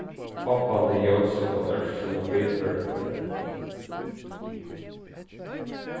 hoppandi ljósið kann ørkymla bilførararnar